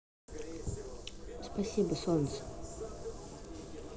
спасибо солнце